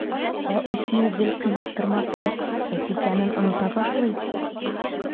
Ә этне гел кыйнап тормасаң, эт икәнен оныта башлый.